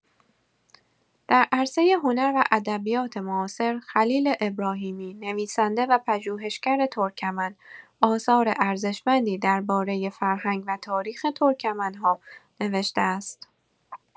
در عرصه هنر و ادبیات معاصر، خلیل ابراهیمی، نویسنده و پژوهشگر ترکمن، آثار ارزشمندی درباره فرهنگ و تاریخ ترکمن‌ها نوشته است.